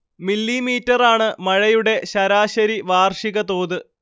മില്ലീമീറ്ററാണ് മഴയുടെ ശരാശരി വാർഷിക തോത്